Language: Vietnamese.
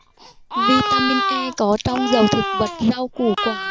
vitamin e có trong dầu thực vật rau củ quả